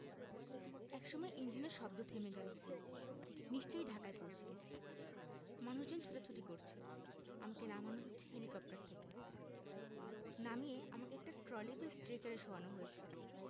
একসময় ইঞ্জিনের শব্দ থেমে গেলো নিশ্চয়ই ঢাকা পৌঁছে গেছি মানুষজন ছোটাছুটি করছে আমাকে নামানো হয়েছে হেলিকপ্টার থেকে নামিয়ে আমাকে একটা ট্রলি বা স্ট্রেচারে শোয়ানো হয়েছে